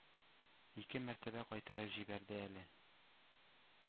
Ике мәртәбә кайтарып җибәрде әле.